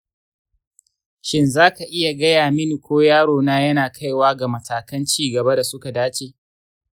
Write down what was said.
shin za ka iya gaya mini ko yarona yana kaiwa ga matakan ci gaba da suka dace